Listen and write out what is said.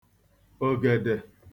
ògèdè